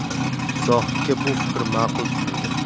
zohidga bu fikr ma'qul tuyuldi